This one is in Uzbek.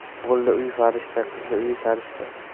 o'g'illi uy farishta qizli uy sarishta